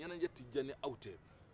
ɲɛnajɛ tɛ diya n'aw tɛ